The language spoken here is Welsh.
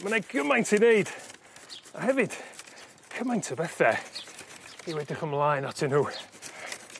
Ma' 'na gymaint i wneud a hefyd cymaint o bethe i'w edrych ymlaen atyn nhw.